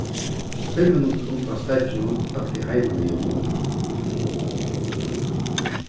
fimm minuttir undan steðginum økti heimaliðið um munin